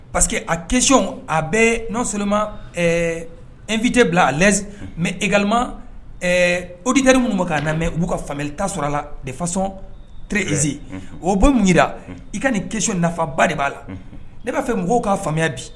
Parce que a keyon a bɛsoma nfiite bila a mɛ ega odiani minnu ma k'a na mɛ'u ka fa ta sɔrɔ a la de fasɔn tire eze o munra i ka nin ke nafaba de b'a la ne b'a fɛ mɔgɔw ka faamuyaya bi